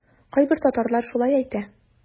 Кайбер татарлар шулай әйтә.